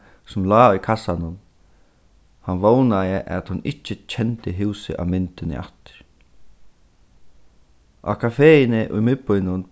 sum lá í kassanum hann vónaði at hon ikki kendi húsið á myndini aftur á kafeini í miðbýnum